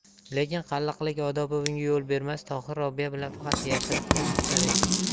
lekin qalliqlik odobi bunga yo'l bermas tohir robiya bilan faqat yashiriqcha uchrashar edi